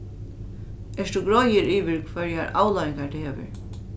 ert tú greiður yvir hvørjar avleiðingar tað hevur